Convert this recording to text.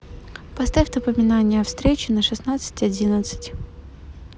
поставь напоминание о встрече на шестнадцать одиннадцать